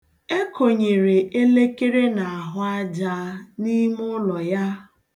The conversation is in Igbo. E konyere elekere n'ahụ aja n'ime ụlọ ya.